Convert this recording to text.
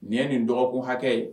Nin ye nin dɔgɔkun hakɛ ye.